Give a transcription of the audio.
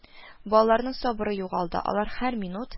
Балаларның сабыры югалды, алар һәр минут: